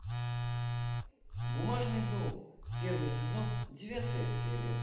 бумажный дом первый сезон девятая серия